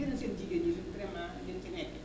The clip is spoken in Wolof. gis nañ seen jigéen ñi vraiment ni ñu ci nekkee